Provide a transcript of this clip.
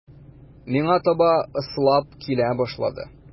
Миңа таба ыслап килә башлады.